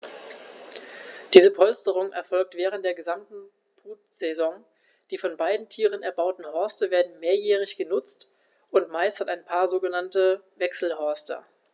Diese Polsterung erfolgt während der gesamten Brutsaison. Die von beiden Tieren erbauten Horste werden mehrjährig benutzt, und meist hat ein Paar mehrere sogenannte Wechselhorste.